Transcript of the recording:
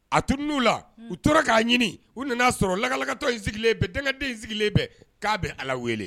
A tunun'u la u tora k'a ɲini u nana' sɔrɔ lakalakatɔ in sigilen bɛn denkɛden in sigilen bɛn k'a bɛ ala wele